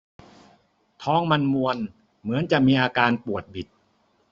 ท้องมันมวนเหมือนจะมีอาการปวดบิด